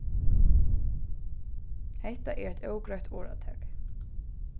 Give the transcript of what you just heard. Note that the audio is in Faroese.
hetta er eitt ógreitt orðatak